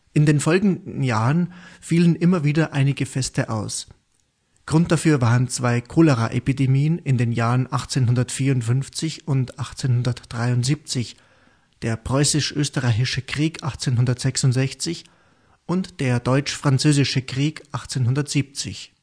In den folgenden Jahren fielen wieder einige Feste aus. Grund dafür waren zwei Cholera-Epidemien in den Jahren 1854 und 1873, der Preußisch-Österreichische Krieg 1866 und der Deutsch-Französische Krieg 1870